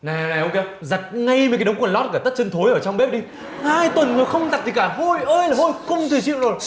này này ông kia giặt ngay mấy cái đống quần lót với cả tất chân thối ở trong bếp đi hai tuần rồi không giặt gì cả hôi ơi là hôi không thể chịu nổi